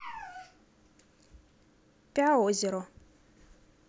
пя озеро